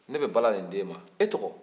ne bɛ bala in d'e ma e tɔgɔ